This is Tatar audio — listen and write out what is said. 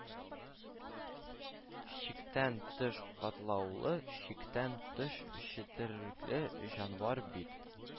Чиктән тыш катлаулы, чиктән тыш четерекле җанвар бит